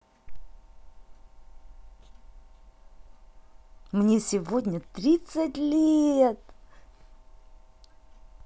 мне сегодня тридцать лет